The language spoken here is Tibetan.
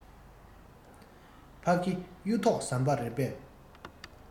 ཕ གི གཡུ ཐོག ཟམ པ རེད པས